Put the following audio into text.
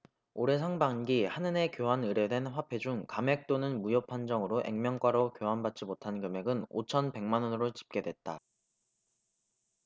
올해 상반기 한은에 교환 의뢰된 화폐 중 감액 또는 무효판정으로 액면가로 교환받지 못한 금액은 오천 백 만원으로 집계됐다